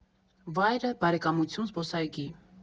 Վայրը՝ «Բարեկամություն» զբոսայգի։